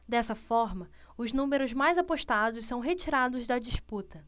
dessa forma os números mais apostados são retirados da disputa